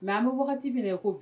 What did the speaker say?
mais an bɛ wagati min na i ko bi